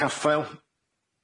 Caffael.